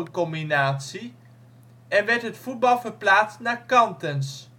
Combinatie) en werd het voetbal verplaatst naar Kantens